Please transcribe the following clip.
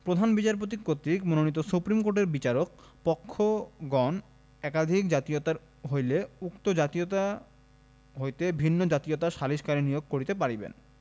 প্রধান বিচারপতি কর্তৃক মনোনীত সুপ্রীম কোর্টের বিচারক পক্ষগণ একাধিক জাতীয়তার হইলে উক্ত জাতয়িতা হইতে ভিন্ন জাতীয়তার সালিসকারী নিয়োগ করিতে পারিবেন